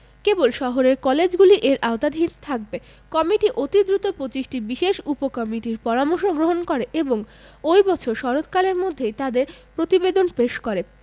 কেবল শহরের কলেজগুলি এর আওতাধীন থাকবে কমিটি অতি দ্রুত ২৫টি বিশেষ উপকমিটির পরামর্শ গ্রহণ করে এবং ওই বছর শরৎকালের মধ্যেই তাদের প্রতিবেদন পেশ করে